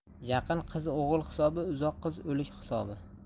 yaqin qiz o'g'il hisobi uzoq qiz o'lik hisobi